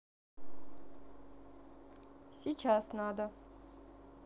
сейчас надо